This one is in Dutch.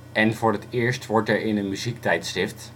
en voor het eerst wordt er in een muziektijdschrift